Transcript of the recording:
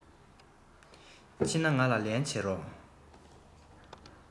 ཕྱིན ན ང ལ ལན བྱེད རོགས